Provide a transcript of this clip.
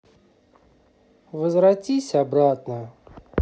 возвратись обратно